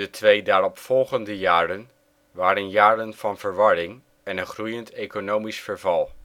twee daaropvolgende jaren waren jaren van verwarring en een groeiend economisch verval